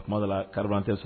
O tumada la kariban tɛ sa